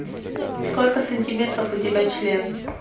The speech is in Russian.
сколько сантиметров у тебя член